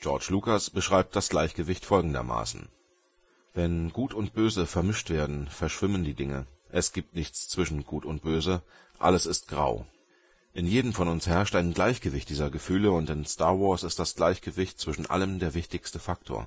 George Lucas beschrieb das Gleichgewicht folgendermaßen: „ Wenn Gut und Böse vermischt werden, verschwimmen die Dinge - es gibt Nichts zwischen Gut und Böse, alles ist grau. In jedem von uns herrscht ein Gleichgewicht dieser Gefühle, und in Star Wars ist das Gleichgewicht zwischen allem der wichtigste Faktor